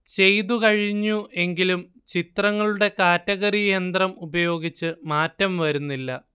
ചെയ്തു കഴിഞ്ഞു എങ്കിലും ചിത്രങ്ങളുടെ കാറ്റഗറി യന്ത്രം ഉപയോഗിച്ച് മാറ്റം വരുന്നില്ല